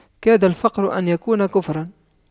كاد الفقر أن يكون كفراً